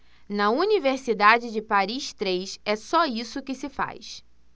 na universidade de paris três é só isso que se faz